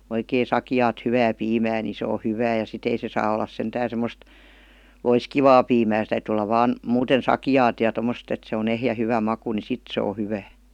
oikein sakeaa hyvää piimää niin se on hyvää ja sitten ei se saa olla sentään semmoista loiskivaa piimää se täytyy olla vain muuten sakeaa ja tuommoista että se on ehjä hyvä maku niin sitten se on hyvää